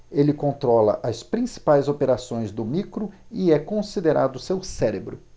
ele controla as principais operações do micro e é considerado seu cérebro